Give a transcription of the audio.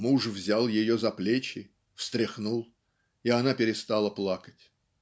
Муж взял ее за плечи, встряхнул, и она перестала плакать"